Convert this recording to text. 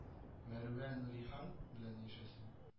Мәрүә Нурихан белән яшәсә